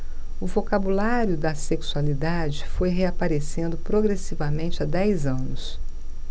o vocabulário da sexualidade foi reaparecendo progressivamente há dez anos